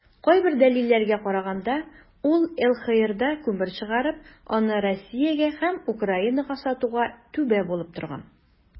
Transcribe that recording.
Кайбер дәлилләргә караганда, ул ЛХРда күмер чыгарып, аны Россиягә һәм Украинага сатуга "түбә" булып торган.